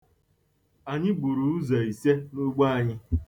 Anyị gburu uze ise n'ugbo anyị